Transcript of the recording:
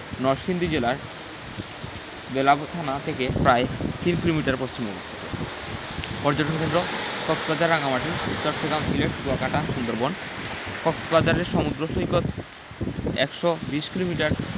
নরসিংদী জেলার বেলাব থানা থেকে প্রায় তিন কিলোমিটার পশ্চিমে অবস্থিত পর্যটন কেন্দ্রঃ কক্সবাজার রাঙ্গামাটি চট্টগ্রাম সিলেট কুয়াকাটা সুন্দরবন কক্সবাজারের সমুদ্র সৈকত ১২০ কিলোমিটার